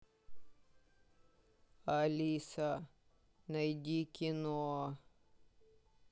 алиса найди кино